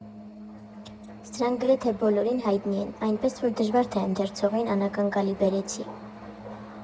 Սրանք գրեթե բոլորին հայտնի են, այնպես որ դժվար թե ընթերցողին անակնկալի բերեցի։